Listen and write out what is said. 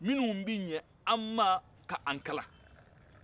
minnu bɛ ɲɛ an ma ka an kala